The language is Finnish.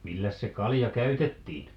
milläs se kalja käytettiin